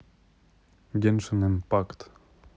геншин импакт